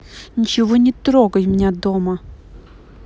ничего не трогай меня дома